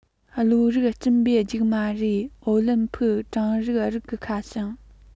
བློ རིག སྐྱེན པོའི རྒྱུགས མ རེད ཨོ ལིམ ཕིག གྲངས རིག རིགས ཀྱི ཁ བྱང